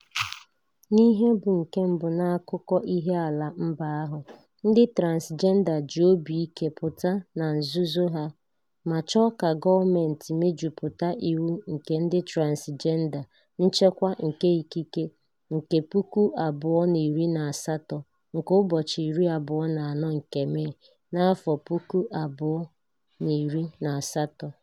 N'ihe bụ nke mbụ n'akụkọ ihe ala mba ahụ, ndị Transịjenda ji obi ike pụta na nzuzo ha ma chọọ ka Gọọmentị mejupụta Iwu nke Ndị Transịjenda (Nchekwa nke Ikike) nke 2018, nke ụbọchị 24 nke Mee, 2018.